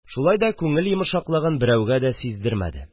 Шулай да, күңел йомшаклыгын берәүгә дә сиздермәде